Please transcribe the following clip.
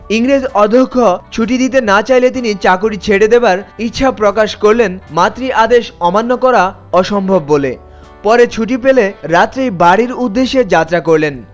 ইংরেজ অধ্যক্ষ ছুটি দিতে না চাইলে তিনি চাকুরী ছেড়ে দেবার ইচ্ছা প্রকাশ করলেন মাতৃ আদেশ অমান্য করা অসম্ভব বলে পরে ছুটি পেলে রাতে বাড়ির উদ্দেশে যাত্রা করলেন